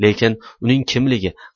lekin uning kimligi